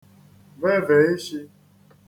veve īshī